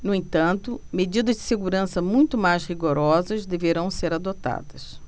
no entanto medidas de segurança muito mais rigorosas deverão ser adotadas